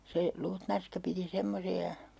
se luutnanska piti semmoisia